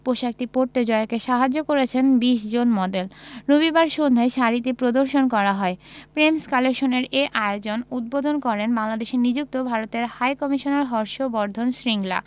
পোশাকটি পরতে জয়াকে সাহায্য করেছেন ২০ জন মডেল রবিবার সন্ধ্যায় শাড়িটি প্রদর্শন করা হয় প্রেমস কালেকশনের এ আয়োজন উদ্বোধন করেন বাংলাদেশে নিযুক্ত ভারতের হাইকমিশনার হর্ষ বর্ধন শ্রিংলা